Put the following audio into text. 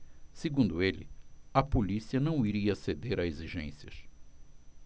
segundo ele a polícia não iria ceder a exigências